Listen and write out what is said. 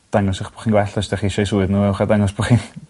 dangos 'ych bo' chi'n gwell os 'dach chi eisiau 'u swydd n'w ewch a dangos bo' chi'n